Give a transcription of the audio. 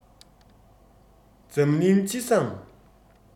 འཛམ གླིང སྤྱི བསང